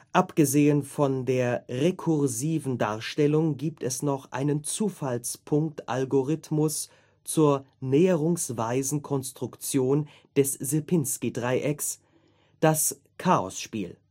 Abgesehen von der rekursiven Darstellung gibt es noch einen Zufallspunkt-Algorithmus zur näherungsweisen Konstruktion des Sierpinski-Dreiecks: Das Chaos-Spiel